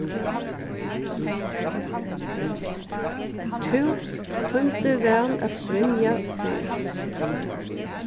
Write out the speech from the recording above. tú tímdi væl at svimja fyrr